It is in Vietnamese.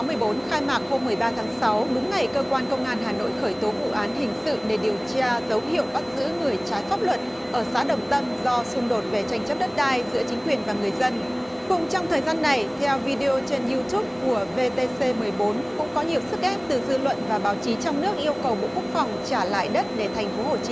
mười bốn khai mạc hôm mười ba tháng sáu đúng ngày cơ quan công an hà nội khởi tố vụ án hình sự để điều tra dấu hiệu bắt giữ người trái pháp luật ở xã đồng tâm do xung đột về tranh chấp đất đai giữa chính quyền và người dân cũng trong thời gian này theo vi đi ô trên diu túp của vê tê xê mười bốn cũng có nhiều sức ép từ dư luận và báo chí trong nước yêu cầu bộ quốc phòng trả lại đất để thành phố hồ chí